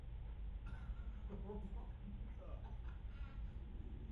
O'r bron? Do. .